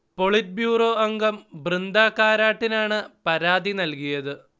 politburo അംഗം ബൃന്ദാ കാരാട്ടിനാണ് പരാതി നൽകിയത്